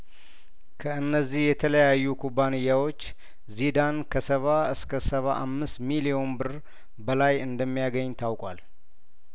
ከእነዚህ የተለያዩ ኩባንያዎች ዚዳን ከሰባ እስከሰባ አምስት ሚሊዮን ብር በላይ እንደሚያገኝ ታውቋል